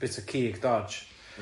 ...bwyta cig dodg. M-hm.